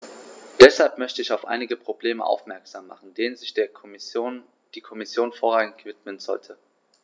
Deshalb möchte ich auf einige Probleme aufmerksam machen, denen sich die Kommission vorrangig widmen sollte.